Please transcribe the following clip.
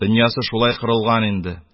Дөньясы шулай корылган инде;